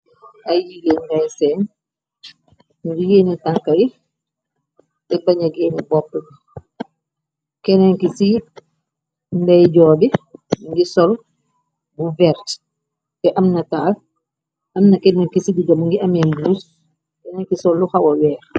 Ayy yiggée ngay seen ñigiyeeni tanka yi te baña geeni bopp bi kenenki ci nday joo bi ngi sol bu verte te am nataal amna kenenki ci digam ngi amee buus kenenki sollu xawa wekh.